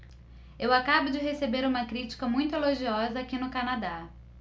eu acabo de receber uma crítica muito elogiosa aqui no canadá